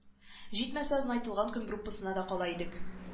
Җитмәсә озынайтылган көн группасына да кала идек